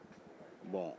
uhun